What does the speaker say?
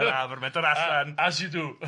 yr afr, mae'n dod allan... As you do!...